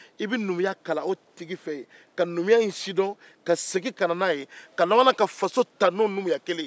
i bɛ numuya kalan o tigi fɛ yen k'a sidɔn ka laban ka na faso ta n'o numuya ye